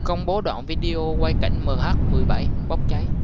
công bố đoạn video quay cảnh mh mười bảy bốc cháy